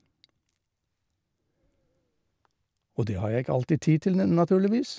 Og det har jeg ikke alltid tid til, ne naturligvis.